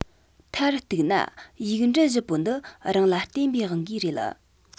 མཐར གཏུགས ན ཡིག འབྲུ བཞི པོ འདི རང ལ བརྟེན པའི དབང གིས རེད